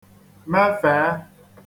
mefẹ